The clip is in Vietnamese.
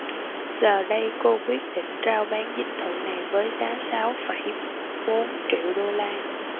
giờ đây cô quyết định rao bán dinh thự này với giá sáu phẩy bốn triệu đô la